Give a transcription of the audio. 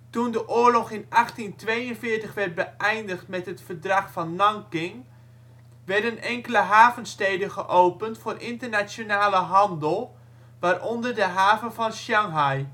Toen de oorlog in 1842 werd beëindigd met het Verdrag van Nanking werden enkele havensteden geopend voor internationale handel, waaronder de haven van Shanghai